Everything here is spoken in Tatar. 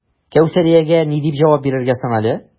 Кәүсәриягә ни дип җавап бирергә соң әле?